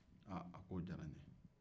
a k'o diyara n ye